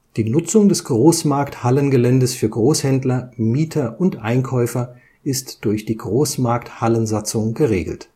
Die Nutzung des Großmarkthallengeländes für Großhändler, Mieter und Einkäufer ist durch die Großmarkthallensatzung geregelt